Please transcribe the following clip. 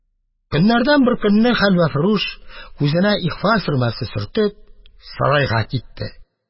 Көннәрдән бер көнне хәлвәфрүш, күзенә ихфа сөрмәсе сөртеп, сарайга китте.